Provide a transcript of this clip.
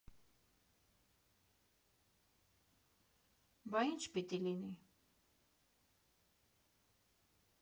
Բա ի՞նչ պիտի լինի։